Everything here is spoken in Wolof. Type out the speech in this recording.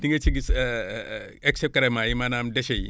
di nga ci gis excréments yi maanaam déchets yi